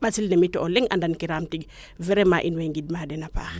ɓasil nemi to o leŋ andan kiraam tig vraiment im way ngidma den a paax